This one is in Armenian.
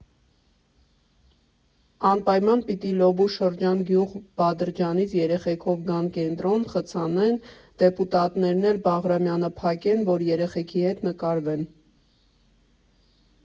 Անպայման պիտի Լոբու շրջան գյուղ Բադրջանից էրեխեքով գան կենտրոն, խցանեն, դեպուտատներն էլ Բաղրամյանը փակեն, որ էրեխեքի հետ նկարվեն։